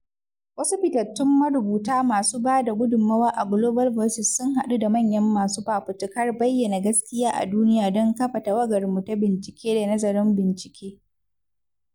Wasu fitattun marubuta masu ba da gudunmawa a Global Voices sun haɗu da manyan masu fafutukar bayyana gaskiya a duniya don kafa tawagarmu ta bincike da nazarin bincike.